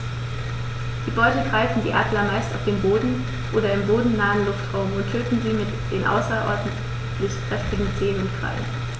Die Beute greifen die Adler meist auf dem Boden oder im bodennahen Luftraum und töten sie mit den außerordentlich kräftigen Zehen und Krallen.